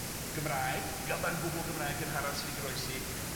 Gymraeg gyfan gwbl Gymraeg gynghara sy 'di goroesi. Ia.